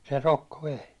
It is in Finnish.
se rokko vei